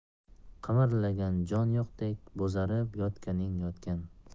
qimirlagan jon yo'qdek bo'zarib yotganing yotgan